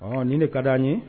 H nin de ka di' an ye